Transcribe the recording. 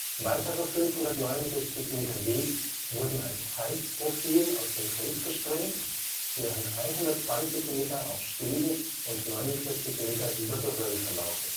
Weitere 569 m Weg wurden als Halbprofil aus dem Fels gesprengt, während 120 m auf Stegen und 49 m über Geröll verlaufen